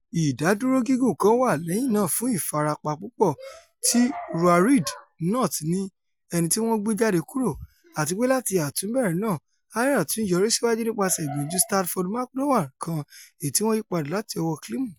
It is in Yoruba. Ìdádúró gígùn kan wà lẹ́yìn náà fún ìfarapa púpọ̀ tí Ruaridh Knott ní, ẹnití wọ́n gbé jáde kúrò, àtipé láti àtúnbẹ̀rẹ̀ náà, Ayr tún yọrí síwájú nípaṣẹ̀ ìgbìyànjú Stafford McDowall kan, èyití́ wọ́n yípadà láti ọwọ́ Climo.